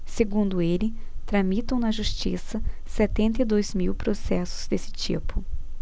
segundo ele tramitam na justiça setenta e dois mil processos desse tipo